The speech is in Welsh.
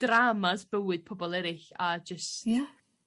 drama's bywyd pobol eryll a jys... Ia.